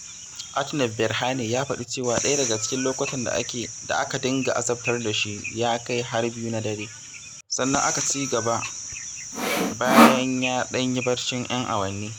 Atnaf Berhane ya faɗi cewa ɗaya daga cikin lokutan da aka dinga azabtar da shi ya kai har 2 na dare, sannan aka cigaba bayan ya ɗan yi barcin 'yan awanni.